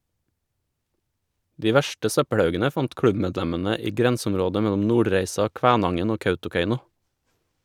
De verste søppelhaugene fant klubbmedlemmene i grenseområdet mellom Nordreisa, Kvænangen og Kautokeino.